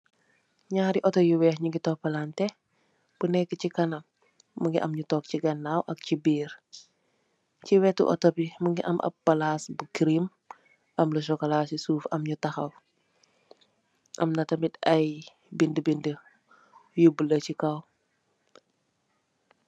Naari auto yi weeh nungi topolantè bu nek chi kanam mungi am nu toog chi ganaaw ak chi biir. Chi wëtu auto bi mungi am ab palaas bu kirèm ab lo sokola ci suuf am nu tahaw. Amna tamit ay bindi-bindi yu bulo chi kaw.